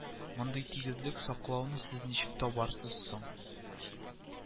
Мондый тигезлек саклауны сез ничек табарсыз соң